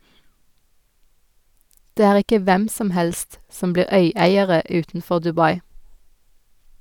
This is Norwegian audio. Det er ikke hvem som helst som blir øyeiere utenfor Dubai.